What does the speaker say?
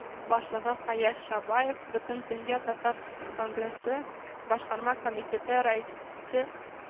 Башлыгы фаяз шабаев, бөтендөнья татар конгрессы башкарма комитеты раиисе